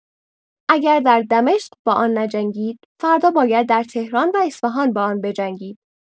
اگر در دمشق با آن نجنگید فردا باید در تهران و اصفهان با آن بجنگید!